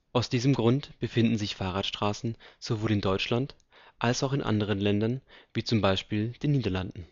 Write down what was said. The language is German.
Aus diesen Gründen finden sich Fahrradstraßen sowohl in Deutschland als auch in anderen Ländern, wie zum Beispiel den Niederlanden